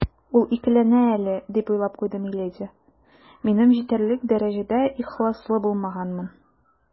«ул икеләнә әле, - дип уйлап куйды миледи, - минем җитәрлек дәрәҗәдә ихласлы булмаганмын».